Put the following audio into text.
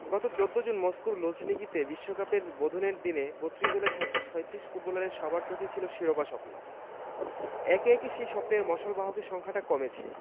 গত ১৪ জুন মস্কোর লুঝনিকিতে বিশ্বকাপের বোধনের দিনে ৩২ দলের ৭৩৬ ফুটবলারের সবার চোখেই ছিল শিরোপা স্বপ্ন একে একে সেই স্বপ্নের মশালবাহকের সংখ্যাটা কমেছে